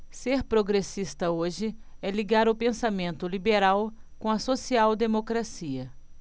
ser progressista hoje é ligar o pensamento liberal com a social democracia